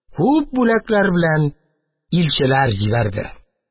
Күп бүләкләр белән илчеләр җибәрде.